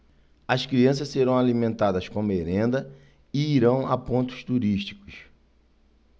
as crianças serão alimentadas com merenda e irão a pontos turísticos